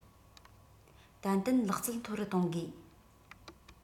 ཏན ཏན ལག རྩལ མཐོ རུ གཏོང དགོས